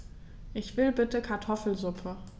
Ich will bitte Kartoffelsuppe.